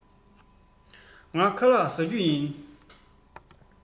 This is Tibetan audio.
ང ཁ ལགས བཟའ རྒྱུ ཡིན